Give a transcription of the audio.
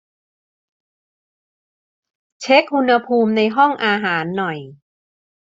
เช็คอุณหภูมิในห้องอาหารหน่อย